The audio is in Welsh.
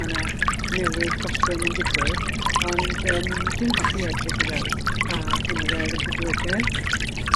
ma' 'na newid ffasiwn yn digwydd ond yym dwi'n hoffi edrych i weld pa enwe oedd yn boblogedd.